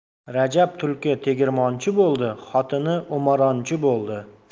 rajab tulki tegirmonchi bo'ldi xotini o'maronchi bo'ldi